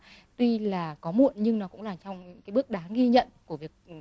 tuy là có muộn nhưng nó cũng là trong những cái bước đáng ghi nhận của việc